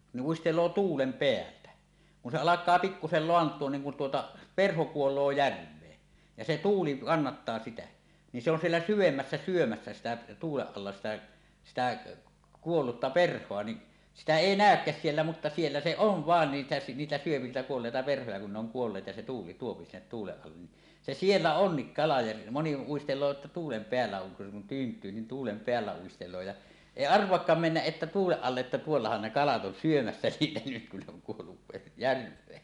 niin uistelee tuulen päältä kun se alkaa pikkuisen laantua niin kun tuota perho kuolee järveen ja se tuuli kannattaa sitä niin se on siellä syvemmässä syömässä sitä tuulen alla sitä sitä kuollutta perhoa niin sitä ei näykään siellä mutta siellä se on vain niitä niitä syö niitä kuolleita perhoja kun ne on kuolleet ja se tuuli tuo sinne tuulen alle niin se siellä on kala ja moni uistelee että tuulen päällä on kun tyyntyy niin tuulen päällä uistelee ja ei arvaakaan mennä että tuulen alle että tuollahan ne kalat on syömässä niitä nyt kun ne on kuollut - järveen